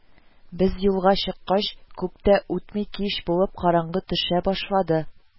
Без юлга чыккач, күп тә үтми кич булып, караңгы төшә башлады